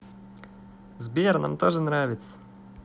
сбер нам тоже нравится